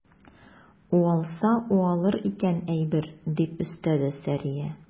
Уалса уалыр икән әйбер, - дип өстәде Сәрия.